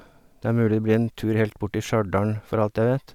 Det er mulig det blir en tur helt bort til Stjørdalen, for alt jeg vet.